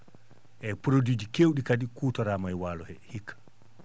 eeyi produit ji keew?i kadi kuutoraama e waalo he hikka